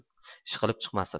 ishqilib chiqmasin